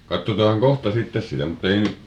katsotaan kohta sitten sitä mutta ei nyt